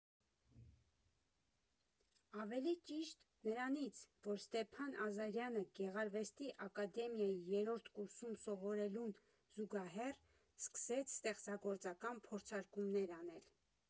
Ավելի ճիշտ՝ նրանից, որ Ստեփան Ազարյանը Գեղարվեստի ակադեմիայի երրորդ կուրսում սովորելուն զուգահեռ սկսեց ստեղծագործական փորձարկումներ անել։